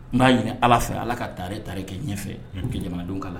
N'a ɲini ala fɛ ala ka taa tari kɛ ɲɛfɛ jamana k'a la